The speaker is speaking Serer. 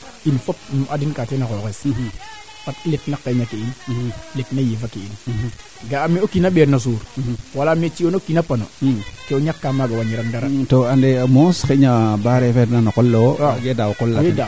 nar naa aussi neen a jega taxar ke de njufa yo koy comme exemple kam xot kaa teen o xeeke nama ley teel nenef de leyee nenef ku dufuuna maaga faax ke qol laa in a jega neenef ampagay ndaa jambiim kaaga wiin we leyaa